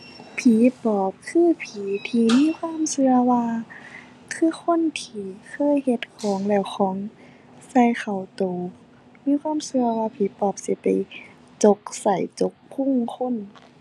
ผีปอบคือผีที่มีความเชื่อว่า คือคนที่เคยเฮ็ดของแล้วของใส่เข้าเชื่อ มีความเชื่อว่าผีปอบสิไปจกไส้จกพุงคน